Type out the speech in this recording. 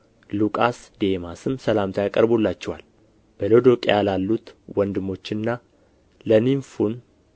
ሉቃስ ዴማስም ሰላምታ ያቀርቡላችኋል በሎዶቅያ ላሉቱ ወንድሞችና ለንምፉን